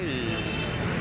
thì